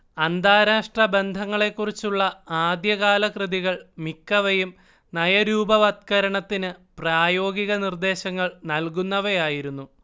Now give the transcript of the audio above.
അന്താരാഷ്ട്രബന്ധങ്ങളെക്കുറിച്ചുള്ള ആദ്യകാലകൃതികൾ മിക്കവയും നയരൂപവത്കരണത്തിന് പ്രായോഗിക നിർദ്ദേശങ്ങൾ നൽകുന്നവയായിരുന്നു